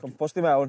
Compost i mewn.